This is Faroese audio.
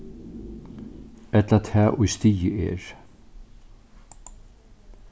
ella tað ið stigið er